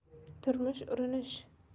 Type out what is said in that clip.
turmush urinish